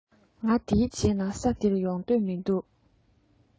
ང འདིའི རྗེས ནས ས འདིར ཡོང འདོད མི འདུག